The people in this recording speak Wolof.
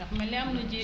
dafa mel ni am na ji